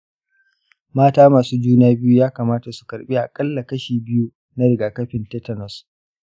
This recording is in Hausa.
mata masu juna biyu ya kamata su karɓi aƙalla kashi biyu na rigakafin tetanus.